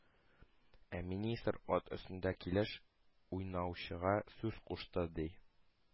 Ә министр, ат өстендә килеш, уйнаучыга сүз кушты, ди: